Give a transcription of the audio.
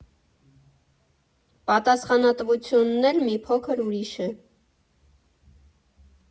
Պատասխանատվությունն էլ մի փոքր ուրիշ է.